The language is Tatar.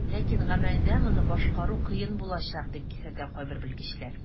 Ләкин гамәлдә моны башкару кыен булачак, дип кисәтә кайбер белгечләр.